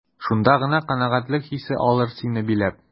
Шунда гына канәгатьлек хисе алыр сине биләп.